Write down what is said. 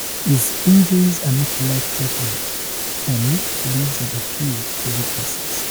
His injuries are not life-threatening and police have appealed for witnesses.